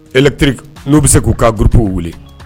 Elɛt n'u bɛ se k'u ka gp wuli